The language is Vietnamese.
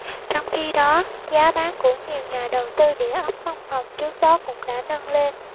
trong khi đó giá bán của nhiều nhà đầu tư địa ốc văn phòng trước đó cũng đã nâng lên